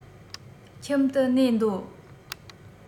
ཁྱིམ དུ གནས འདོད